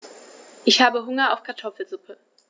Ich habe Hunger auf Kartoffelsuppe.